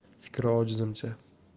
fikri ojizimcha